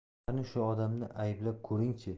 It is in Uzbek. qani shu odamni ayblab ko'ring chi